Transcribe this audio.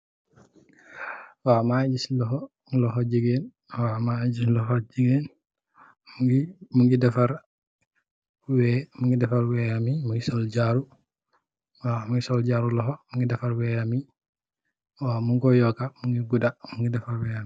Waw mage giss lohou lohou jegain waw mage giss lohou jegain muge defarr weh muge defarr wehem be muge sol jaaru waw muge sol jaaru lohou muge defarr wehemye waw mugku yoka muge gouda muge defarr wehemye.